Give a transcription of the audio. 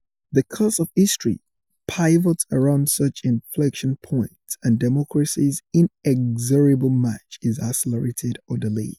The course of history pivots around such inflection points, and democracy's inexorable march is accelerated or delayed.